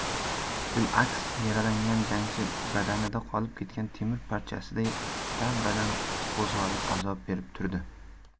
bil'aks yaralangan jangchi badanida qolib ketgan temir parchasiday dam badam qo'zg'olib azob berib turdi